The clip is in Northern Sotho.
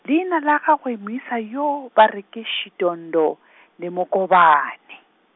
leina la gagwe moisa yo ba re ke Shidondho Nemukovhani.